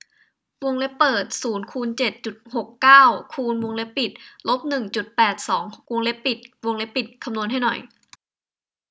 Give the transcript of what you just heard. วงเล็บเปิดศูนย์คูณเจ็ดจุดหกเก้าคูณวงเล็บเปิดลบหนึ่งจุดแปดสองวงเล็บปิดวงเล็บปิดคำนวณให้หน่อย